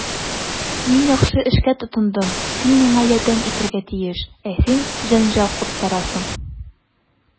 Мин яхшы эшкә тотындым, син миңа ярдәм итәргә тиеш, ә син җәнҗал куптарасың.